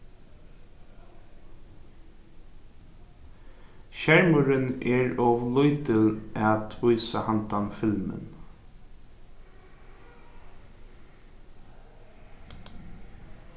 skermurin er ov lítil at vísa handan filmin